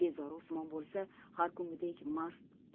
bezori usmon bo'lsa har kungidek mast